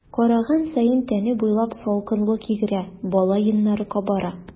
Караган саен тәне буйлап салкынлык йөгерә, бала йоннары кабара.